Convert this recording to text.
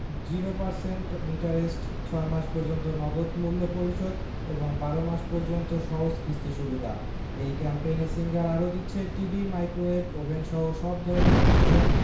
০% ইন্টারেস্টে ৬ মাস পর্যন্ত নগদ মূল্য পরিশোধ এবং ১২ মাস পর্যন্ত সহজ কিস্তি সুবিধা এই ক্যাম্পেইনে সিঙ্গার আরো দিচ্ছে টিভি মাইক্রোওয়েভ ওভেনসহ সব ধরনের কিচেন